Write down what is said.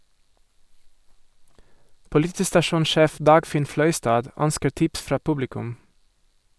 Politistasjonssjef Dagfinn Fløystad ønsker tips fra publikum.